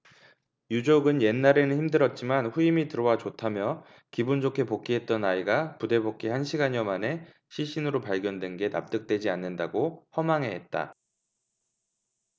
유족은 옛날에는 힘들었지만 후임이 들어와 좋다며 기분 좋게 복귀했던 아이가 부대 복귀 한 시간여 만에 시신으로 발견된 게 납득되지 않는다고 허망해 했다